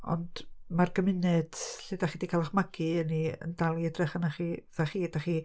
Ond ma'r gymuned lle dach chi 'di cael eich magu ynddi yn dal i edrych arna chi fatha chi dach chi